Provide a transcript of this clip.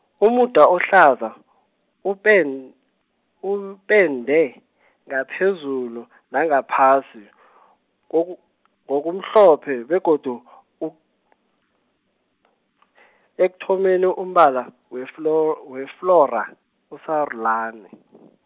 umuda ohlaza, upen-, upende, ngaphezulu, nangaphasi, oku-, ngokumhlophe begodu, u-, ekuthomeni umbala, weflo-, weflora usarulani .